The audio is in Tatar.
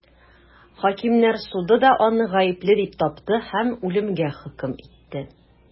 Хакимнәр суды да аны гаепле дип тапты һәм үлемгә хөкем итте.